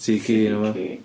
Tŷ ci... tŷ ci.